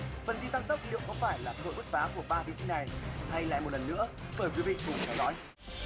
phần thi tăng tốc liệu có phải là cơ hội bứt phá của ba thí sinh này hay lại một lần nữa mời quý vị cùng theo dõi